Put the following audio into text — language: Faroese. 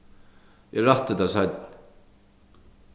eg rætti tað seinni